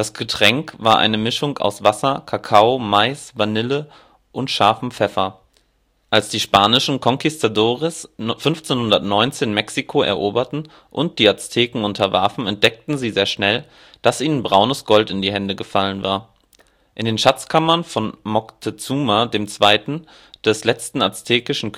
Getränk war eine Mischung aus Wasser, Kakao, Mais, Vanille und scharfem Pfeffer. Als die spanischen " Conquistadores " 1519 Mexiko eroberten und die Azteken unterwarfen, entdeckten sie sehr schnell, dass ihnen Braunes Gold in die Hände gefallen war. In den Schatzkammern von Moctezuma II., des letzten aztekischen Königs